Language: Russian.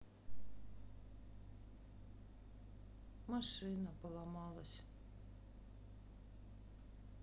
машина поломалась